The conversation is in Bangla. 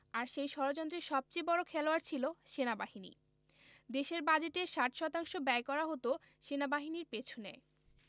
আর সেই ষড়যন্ত্রের সবচেয়ে বড়ো খেলোয়াড় ছিল সেনাবাহিনী দেশের বাজেটের ৬০% ব্যয় করা হতো সেনাবাহিনীর পিছনে